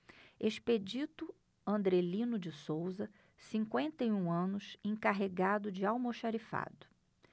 expedito andrelino de souza cinquenta e um anos encarregado de almoxarifado